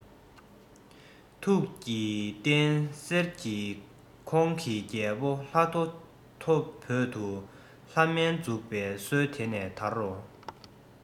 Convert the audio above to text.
ཐུགས ཀྱི རྟེན གསེར གྱི ཁོང གིས རྒྱལ པོ ལྷ ཐོ ཐོ བོད དུ བླ སྨན འཛུགས པའི སྲོལ དེ ནས དར རོ